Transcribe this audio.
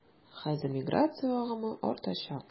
Хәзер миграция агымы артачак.